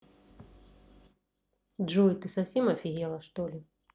джой ты совсем офигела что ли